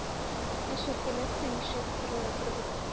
Ә чәркәләр һәмишә тутырыла торды...